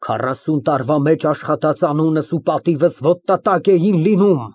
Քառասուն տարվա մեջ աշխատած անունս ու պատիվս ոտնատակ էին լինում։